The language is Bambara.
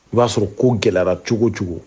O b'a sɔrɔ ko gɛlɛra cogo cogo